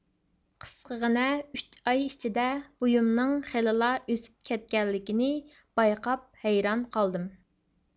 قىسقىغىنە ئۈچ ئاي ئىچىدە بويۇمنىڭ خېلىلا ئۆسۈپ كەتكەنلىكىنى بايقاپ ھەيران قالدىم